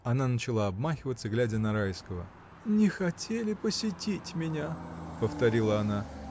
Она начала обмахиваться, глядя на Райского. — Не хотели посетить меня! — повторила она.